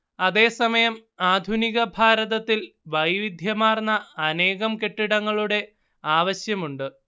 അതേസമയം ആധുനിക ഭാരതത്തിൽ വൈവിധ്യമാർന്ന അനേകം കെട്ടിടങ്ങളുടെ ആവശ്യവുമുണ്ട്